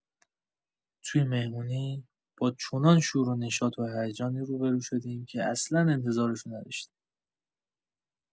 توی مهمونی، با چنان شور و نشاط و هیجانی روبرو شدیم که اصلا انتظارشو نداشتیم.